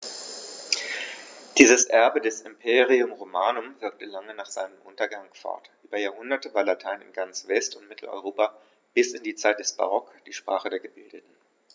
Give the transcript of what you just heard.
Dieses Erbe des Imperium Romanum wirkte lange nach seinem Untergang fort: Über Jahrhunderte war Latein in ganz West- und Mitteleuropa bis in die Zeit des Barock die Sprache der Gebildeten.